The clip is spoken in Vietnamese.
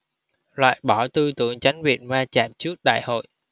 loại bỏ tư tưởng tránh việc va chạm trước đại hội